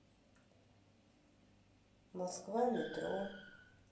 москва метро